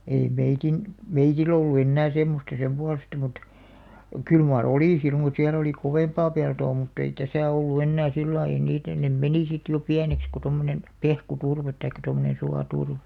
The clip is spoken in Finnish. ei meidän meillä ollut enää semmoista sen puolesta mutta kyllä mar oli sillä mutta siellä oli kovempaa peltoa mutta ei tässä ollut enää sillä lailla ei niitä ne meni sitten jo pieneksi kun tuommoinen pehkuturve tai tuommoinen suoturve